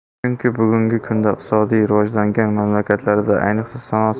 chunki bugungi kunda iqtisodiy rivojlangan mamlakatlarda ayniqsa